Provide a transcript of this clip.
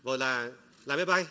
rồi là lái máy bay